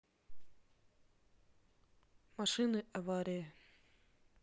машины авария